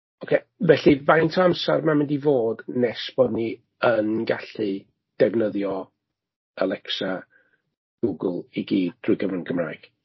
Ocê felly faint o amser mae'n mynd i fod nes bod ni yn gallu defnyddio Alexa, Google i gyd drwy gyfrwng y Gymraeg?